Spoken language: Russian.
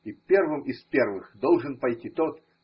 И первым из первых должен пойти тот.